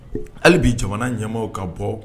Hali bi jamana ɲɛmaw ka bɔ